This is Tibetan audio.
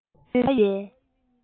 འབྲེལ བ ཡོད པའི